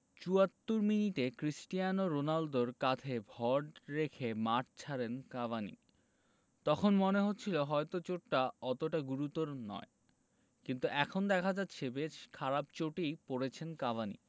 ৭৪ মিনিটে ক্রিস্টিয়ানো রোনালদোর কাঁধে ভর রেখে মাঠ ছাড়েন কাভানি তখন মনে হচ্ছিল হয়তো চোটটা অতটা গুরুতর নয় কিন্তু এখন দেখা যাচ্ছে বেশ খারাপ চোটেই পড়েছেন কাভানি